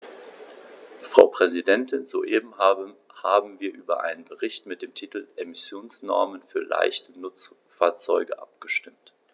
Frau Präsidentin, soeben haben wir über einen Bericht mit dem Titel "Emissionsnormen für leichte Nutzfahrzeuge" abgestimmt.